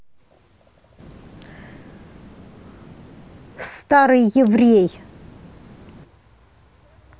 старый еврей